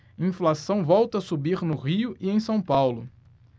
inflação volta a subir no rio e em são paulo